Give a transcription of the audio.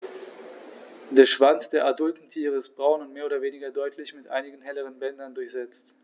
Der Schwanz der adulten Tiere ist braun und mehr oder weniger deutlich mit einigen helleren Bändern durchsetzt.